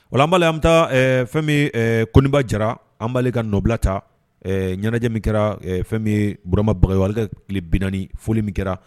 O la an b'a lajɛ an bɛ taa fɛn min ye ɛ Koninba Jara, an b'ale ka nɔbila ta, ɲɛnajɛ min kɛra, fɛn min ye burama Bagayoko, ale ka tile 40 foli min kɛra